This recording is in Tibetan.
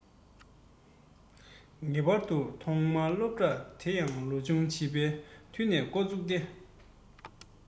ངེས པར དུ ཐོག མར སློབ གྲྭའི དེ ཡང ལོ ཆུང བྱིས པའི དུས ནས འགོ བཙུགས ཏེ